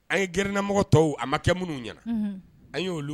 An ye grininamɔgɔ tɔw a ma kɛ minnu ɲɛna an y'olu